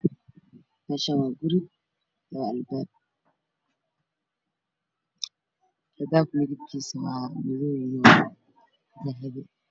Meshan waa guri oo labaab midbakis waa madow io dahbi